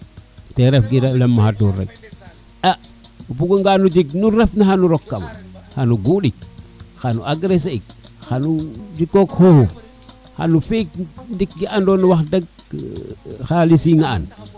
te ref ke ley ma xatoor rek a o buga ngano jeg nu ref na xano rok kama xano guɗik xano agressé ik xano jikook xoxof xano fi ik tig ke ando na wax deg xalis ne an